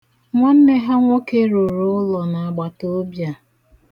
Nwanne ha nwoke rụrụ ụlọ n'agbataobi a.